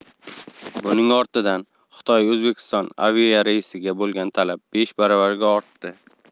buning ortidan xitoy o'zbekiston aviareysiga bo'lgan talab besh baravarga ortdi